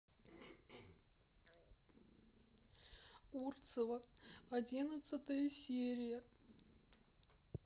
урцева одиннадцатая серия